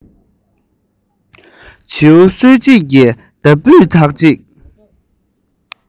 བྱིའུ གསོད བྱེད ཀྱི མདའ སྤུས དག ཅིག